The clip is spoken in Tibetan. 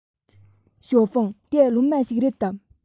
ཞའོ ཧྥུང དེ སློབ མ ཞིག རེད དམ